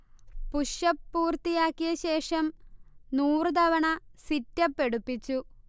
push up പൂർത്തിയാക്കിയ ശേഷം നൂറു തവണ സിറ്റ്അപ് എടുപ്പിച്ചു